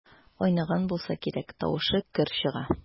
Айныган булса кирәк, тавышы көр чыга.